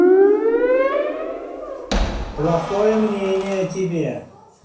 плохое мнение о тебе